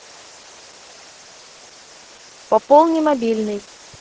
пополни мобильный